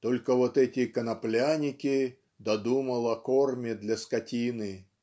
"только вот эти коноплянники да думал о корме для скотины".